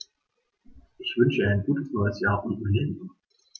Ich wünsche Ihnen ein gutes neues Jahr und Millennium.